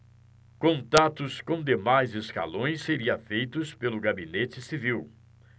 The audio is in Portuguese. contatos com demais escalões seriam feitos pelo gabinete civil